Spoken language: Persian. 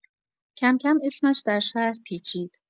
کم‌کم اسمش در شهر پیچید.